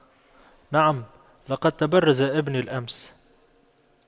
نعم لقد تبرز ابني الامس